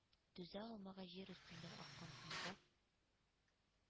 Түзә алмагач җир өстендә аккан канга,